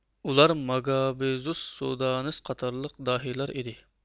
ئۇلار ماگابىزوس سودانىس قاتارلىق داھىيلار ئىدى